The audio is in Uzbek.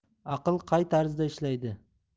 aql qay tarzda ishlaydi